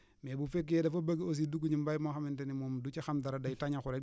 mais bu fekkee dafa bëgg aussi dugg ci mbay moo xamante ni moom du ci xam dara day tañaxu rek